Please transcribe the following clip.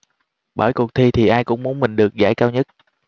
bởi cuộc thi thì ai cũng muốn mình được giải cao nhất